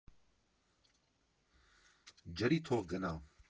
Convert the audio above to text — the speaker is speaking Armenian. Ջրի թող գնա։